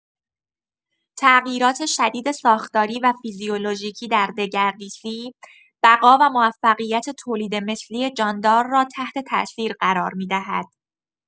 تغییرات شدید ساختاری و فیزیولوژیکی در دگردیسی، بقا و موفقیت تولیدمثلی جاندار را تحت‌تاثیر قرار می‌دهد.